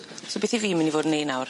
So beth 'yf fi myn' i fod yn neu' nawr?